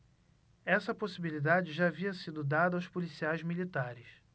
essa possibilidade já havia sido dada aos policiais militares